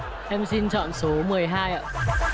em xin chọn số mười hai ạ